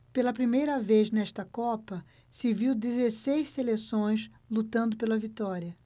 pela primeira vez nesta copa se viu dezesseis seleções lutando pela vitória